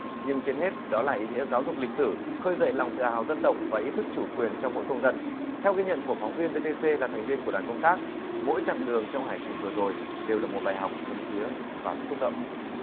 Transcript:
nhưng trên hết đó là ý nghĩa giáo dục lịch sử khơi dậy lòng tự hào dân tộc và ý thức chủ quyền trong mỗi công dân theo ghi nhận của phóng viên vê tê xê là thành viên của đảng công tác mỗi chặng đường trong hành trình vừa rồi đều là một bài học thấm thía và xúc động